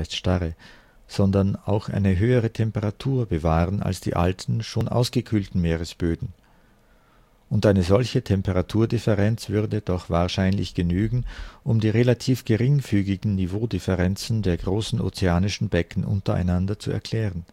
Starre] sondern auch eine höhere Temperatur... bewahren als die alten, schon ausgekühlten Meeresböden. Und eine solche Temperaturdifferenz würde... doch wahrscheinlich genügen, um die relativ geringfügigen Niveaudifferenzen der großen ozeanischen Becken untereinander zu erklären